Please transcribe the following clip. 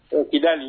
Fo kidali.